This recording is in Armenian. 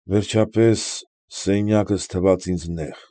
Վերջապես, սենյակս թվաց ինձ նեղ։